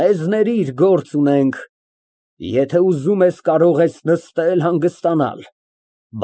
Մեզ ներիր, գործ ունենք։ Եթե ուզում ես, կարող ես նստել, հանգստանալ։